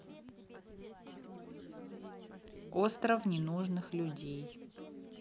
остров ненужных людей